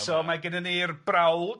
So mae gennyn ni'r brawd.